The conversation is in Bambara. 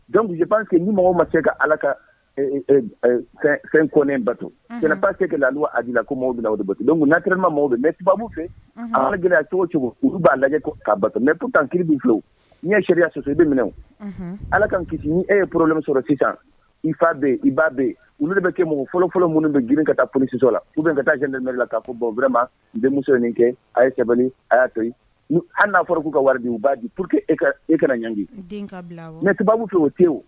Dɔnku ja que ni mɔgɔw ma se ka ala ka fɛn kɔnɛ bato kɛnɛba tɛ ka adu la ko maaw bɛ o bato don kun nakrema maaw mɛ tuba fɛ an gɛlɛya cogo cogo u b'a lajɛ k ka bato mɛ p kiiribulo n ɲɛ sariyaya sɔ bɛ minɛ ala ka kisi ni e ye porolenmi sɔrɔ sisan i fa bɛ i ba bɛ olu de bɛ kɛ mɔgɔw fɔlɔfɔlɔ minnu bɛ grin ka taa polisisɔ la u bɛ ka taa janɛrɛ la k kaa fɔ bɔnb wɛrɛma n denmuso muso in kɛ a ye sabali a y'a to an n'a fɔra k'u ka wari u b'a di pur que e kana ɲge mɛ tuba fɛ o tewu